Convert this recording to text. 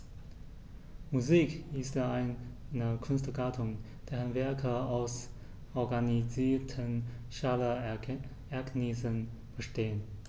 Musik ist eine Kunstgattung, deren Werke aus organisierten Schallereignissen bestehen.